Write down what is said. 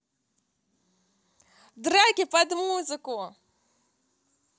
драки под музыку